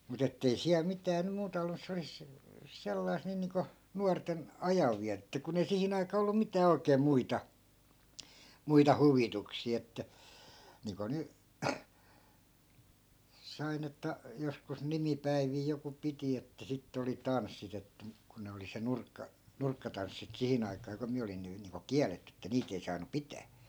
mutta että ei siellä mitään nyt muuta ollut että se olisi sellaista niin niin kuin nuorten ajanvietettä kun ei siihen aikaa ollut mitään oikein muita muita huvituksia että niin kuin nyt sain että joskus nimipäiviä joku piti että sitten oli tanssit että mutta kun ne oli se - nurkkatanssit siihen aikaan kun minä olin nyt niin kuin kielletty että niitä ei saanut pitää